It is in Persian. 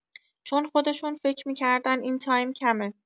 چون خودشون فک می‌کردن این تایم کمه